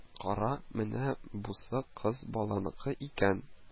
Кара, менә бусы кыз баланыкы икән